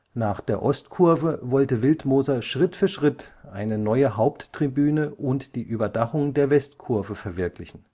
Nach der Ostkurve wollte Wildmoser Schritt für Schritt eine neue Haupttribüne und die Überdachung der Westkurve verwirklichen